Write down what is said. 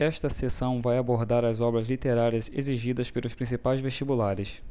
esta seção vai abordar as obras literárias exigidas pelos principais vestibulares